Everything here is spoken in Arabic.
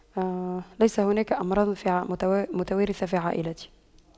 ليس هناك أمراض في متوارثة في عائلتي